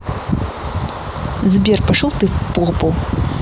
сбер пошел ты в попу